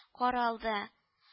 Каралды